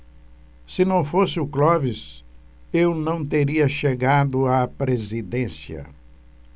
se não fosse o clóvis eu não teria chegado à presidência